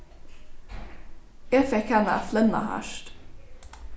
eg fekk hana at flenna hart